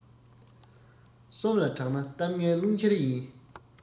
གསུམ ལ གྲགས ན གཏམ ངན རླུང ཁྱེར ཡིན